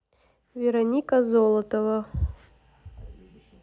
вероника золотова